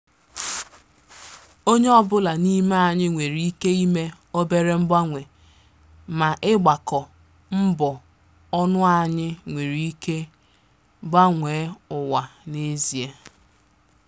Onye ọbụla n'ime anyị nwere ike ime obere mgbanwe ma ịgbakọ mbọ ọnụ anyị nwere ike gbanwee ụwa n'ezie.